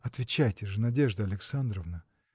– Отвечайте же, Надежда Александровна